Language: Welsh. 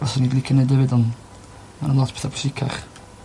...fyswn i licio neud efyd on' ma' 'na lot petha pwysicach.